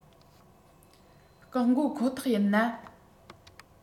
སྐག འགོ ཁོ ཐག ཡིན ན